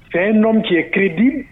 Fɛ nɔ cɛtiriri di